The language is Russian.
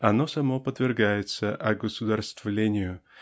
Оно само подвергается огосударствлению